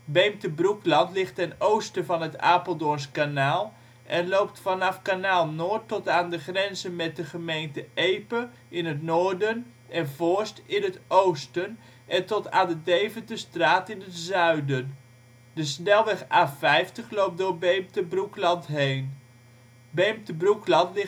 Beemte-Broekland ligt ten oosten van het Apeldoorns kanaal en loopt vanaf Kanaal Noord tot aan de grenzen met de gemeenten Epe (in het noorden) en Voorst (in het oosten) en tot aan de Deventerstraat in het zuiden. De snelweg A50 loopt door Beemte-Broekland heen. Beemte-Broekland